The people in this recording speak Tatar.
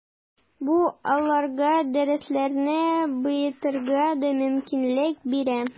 Бу аларга дәресләрне баетырга да мөмкинлек бирә.